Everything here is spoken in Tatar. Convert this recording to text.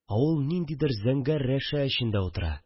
Авыл ниндидер зәңгәр рәшә эчендә утыра